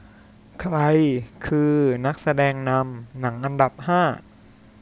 ใครคือนักแสดงนำหนังอันดับห้า